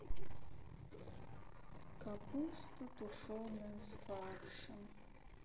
капуста тушеная с фаршем